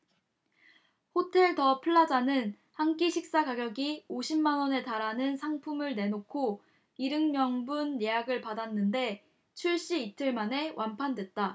호텔 더 플라자는 한 끼 식사 가격이 오십 만원에 달하는 상품을 내놓고 일흔 명분 예약을 받았는데 출시 이틀 만에 완판됐다